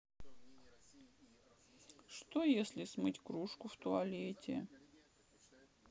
что если смыть кружку в туалете